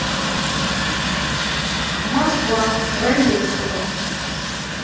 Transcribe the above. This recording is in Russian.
москва раевского